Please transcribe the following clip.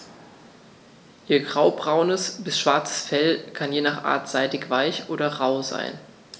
Ihr graubraunes bis schwarzes Fell kann je nach Art seidig-weich oder rau sein.